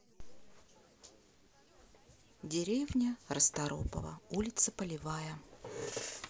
деревня расторопово улица полевая